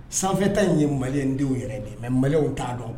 Sanfɛta in ye mali denw yɛrɛ de mɛ malilew t'a dɔn